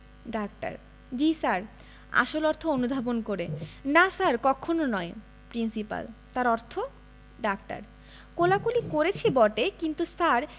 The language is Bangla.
ডাক্তার জ্বী স্যার আসল অর্থ অনুধাবন করে না স্যার কক্ষণো নয় প্রিন্সিপাল তার অর্থ ডাক্তার কোলাকুলি করেছি বটে কিন্তু স্যার